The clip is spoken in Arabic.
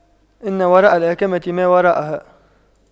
إن وراء الأَكَمةِ ما وراءها